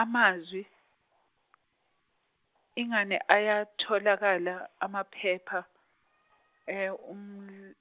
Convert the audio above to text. amazwi, ingani ayatholakala amaphepha, um-